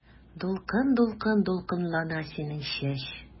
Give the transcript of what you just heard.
Дулкын-дулкын дулкынлана синең чәч.